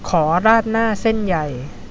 ขอราดหน้าเส้นใหญ่